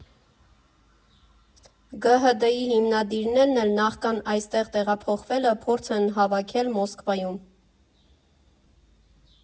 ԳՀԴ֊ի հիմնադիրներն էլ նախքան այստեղ տեղափոխվելը փորձ են հավաքել Մոսկվայում։